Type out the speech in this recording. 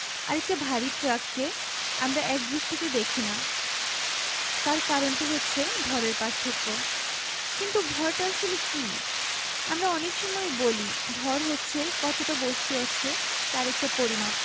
আর একটা ভারী ট্রাককে আমরা একদৃষ্টিতে দেখি না তার কারণটা হচ্ছে ভরের পার্থক্য কিন্তু ভরটা আসলে কী আমরা অনেক সময়েই বলি ভর হচ্ছে কতটা বস্তু আছে তার একটা পরিমাপ